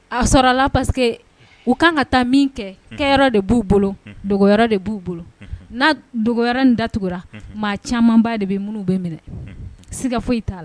A sɔrɔ la parce que u kan ka taa min kɛ kɛyɔrɔ de b'u bolo dɔgɔ de b'u bolo n' dɔgɔ in da tugura maa caman ba de bɛ minnu bɛ minɛ siga foyi t'a la